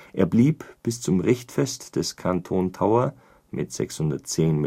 Er blieb bis zum Richtfest des Canton Tower mit 610,8